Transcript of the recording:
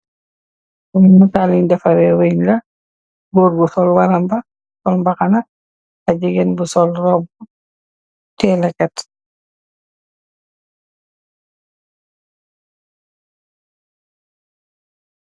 Ay nital yun deffareh wéñ la, gór ngu sol waraba sol mbàxna, ak gigeen bu sol róbbu teyeh lèkket.